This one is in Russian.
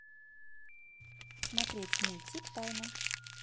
смотреть мультик тайна